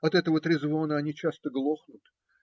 От этого трезвона они часто глохнут.